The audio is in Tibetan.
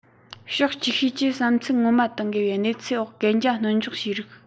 ཕྱོགས ཅིག ཤོས ཀྱིས བསམ ཚུལ ངོ མ དང འགལ བའི གནས ཚུལ འོག གན རྒྱ སྣོལ འཇོག བྱས རིགས